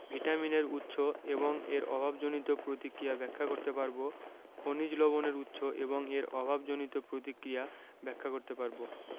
ভিটামিনের উৎস এবং এর অভাবজনিত প্রতিক্রিয়া ব্যাখ্যা করতে পারব খনিজ লবণের উৎস এবং এর অভাবজনিত প্রতিক্রিয়া ব্যাখ্যা করতে পারব